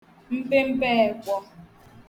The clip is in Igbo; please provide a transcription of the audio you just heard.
mpempe ekwọ